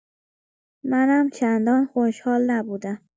منم چندان خوشحال نبودم.